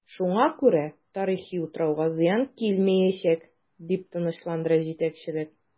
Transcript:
Шуңа күрә тарихи утрауга зыян килмиячәк, дип тынычландыра җитәкчелек.